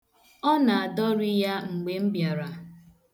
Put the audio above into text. Ọ na-adọri ya mgbe m bịara.